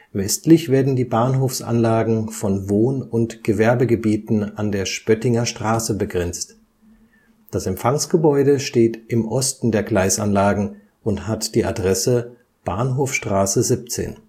Westlich werden die Bahnhofsanlagen von Wohn - und Gewerbegebieten an der Spöttinger Straße begrenzt. Das Empfangsgebäude steht im Osten der Gleisanlagen und hat die Adresse Bahnhofstraße 17.